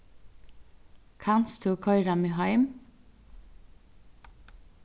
kanst tú koyra meg heim